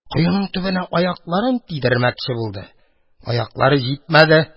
Коеның төбенә аякларын тидермәкче булды — аяклары җитмәде.